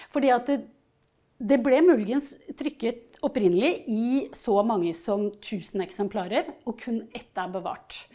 fordi at det ble muligens trykket opprinnelig i så mange som 1000 eksemplarer og kun ett er bevart.